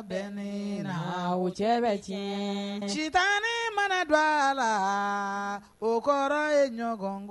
En o cɛ bɛ tiɲɛ citan ni mana don a la o kɔrɔ ye ɲɔgɔn